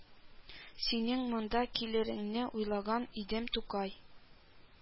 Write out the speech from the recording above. Синең монда килереңне уйлаган идем, Тукай